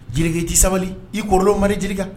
Jelika i tɛ sabali, i kɔrɔla o mari, Jerika.